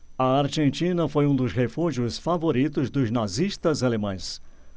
a argentina foi um dos refúgios favoritos dos nazistas alemães